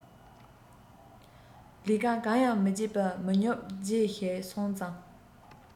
ལས ཀ གང ཡང མི སྒྱིད པའི མི ཉོབ སྒྱེ ཞིག སོང ཙང